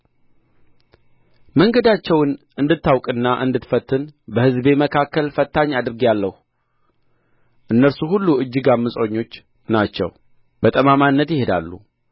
መንገዳቸውን እንድታውቅና እንድትፈትን በሕዝቤ መካከል ፈታኝ አድርጌሃለሁ እነርሱ ሁሉ እጅግ ዓመፀኞች ናቸው በጠማማነት ይሄዳሉ